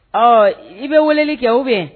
Ɔ i bɛ weleli kɛ ou bien